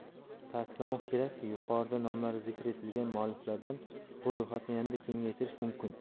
ta'kidlamoq kerakki yuqorida nomlari zikr etilgan mualliflardan bu ro'yxatni yanada kengaytirish mumkin